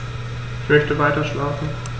Ich möchte weiterschlafen.